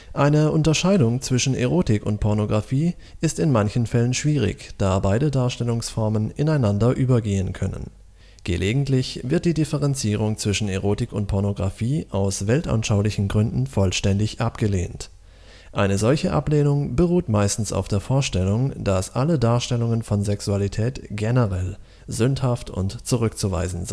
Eine Unterscheidung zwischen Erotik und Pornographie ist in manchen Fällen schwierig, da beide Darstellungsformen ineinander übergehen können. Gelegentlich wird die Differenzierung zwischen Erotik und Pornographie aus weltanschaulichen Gründen vollständig abgelehnt. Eine solche Ablehnung beruht meistens auf der Vorstellung, dass alle Darstellungen von Sexualität generell sündhaft und zurückzuweisen